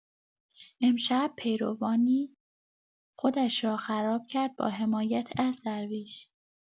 امشب پیروانی خودش را خراب کرد با حمایت از درویش!